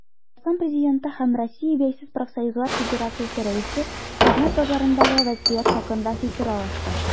Татарстан Президенты һәм Россия Бәйсез профсоюзлар федерациясе рәисе хезмәт базарындагы вәзгыять хакында фикер алышты.